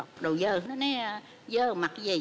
đồ dơ nó lấy dơ mặc cái gì